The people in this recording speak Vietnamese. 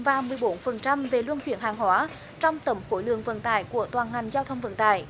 vào mười bốn phần trăm về luân chuyển hàng hóa trong tổng khối lượng vận tải của toàn ngành giao thông vận tải